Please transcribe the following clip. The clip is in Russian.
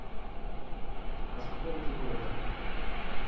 а с какого ты города